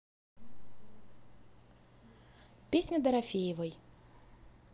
песня дорофеевой